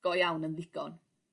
go iawn yn ddigon.